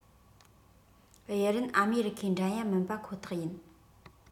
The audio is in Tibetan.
དབྱི རན ཨ མེ རི ཁའི འགྲན ཡ མིན པ ཁོ ཐག ཡིན